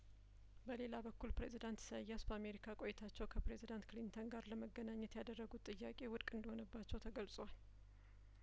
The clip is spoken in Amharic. በሌላ በኩል ፕሬዚዳንት ኢሳያስ በአሜሪካ ቆይታቸው ከፕሬዚዳንት ክሊንተን ጋር ለመገናኘት ያደረጉት ጥያቄ ውድቅ እንደሆነባቸው ተገልጿል